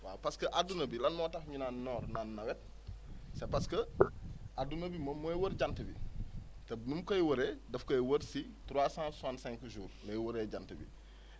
waaw parce que adduna bi lan moo tax ñu naan noor naan nawet c' est parce que adduna bi moom mooy wër jant bi te nu mu koy wëree daf koy wër si trois cent :fa soixante cinq jours lay wëree jant bi